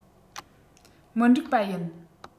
མི འགྲིག པ ཡིན